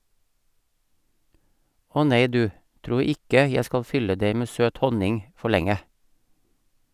Åh nei du , tro ikke jeg skal fylle deg med søt honning for lenge.